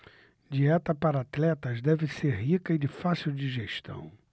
dieta para atletas deve ser rica e de fácil digestão